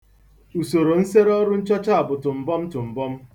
Usoro nsere ọrụ nchọcha bụ tụmbọm tụmbọm.